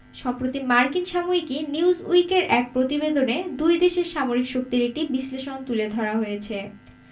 সম্প্রতি মার্কিন সাময়িকী নিউজউইকের এক প্রতিবেদনে দুই দেশের সামরিক শক্তির একটি বিশ্লেষণ তুলে ধরা হয়েছে